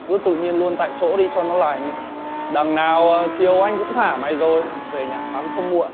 cứ tự nhiên luôn tại chỗ đi cho nó lành đằng nào chiều anh cũng thả mày rồi về nhà tắm không muộn